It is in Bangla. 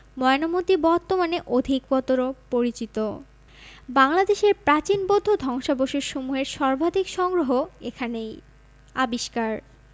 ময়নামতী বর্তমানে অধিকতর পরিচিত বাংলাদেশের প্রাচীন বৌদ্ধ ধ্বংসাবশেষসমূহের সর্বাধিক সংগ্রহ এখানেই আবিষ্কার